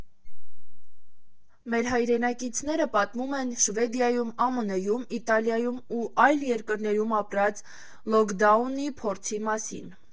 Մեր հայրենակիցները պատմում են Շվեդիայում, ԱՄՆ֊ում, Իտալիայում ու այլ երկրներում ապրած լոքդաունի փորձի մասին։